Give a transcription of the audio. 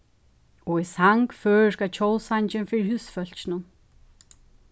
og eg sang føroyska tjóðsangin fyri húsfólkinum